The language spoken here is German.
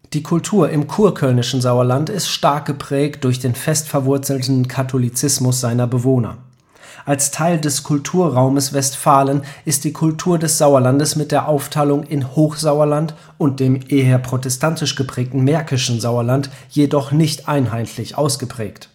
Die Kultur im kurkölnischen Sauerland ist stark geprägt durch den fest verwurzelten Katholizismus seiner Bewohner. Als Teil des Kulturraumes Westfalen ist die Kultur des Sauerlandes mit der Aufteilung in Hochsauerland und dem eher protestantisch geprägten Märkischen Sauerland jedoch nicht einheitlich ausgeprägt